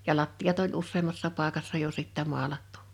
ja lattiat oli useammassakin paikassa jo sitten maalattu